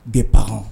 Des parents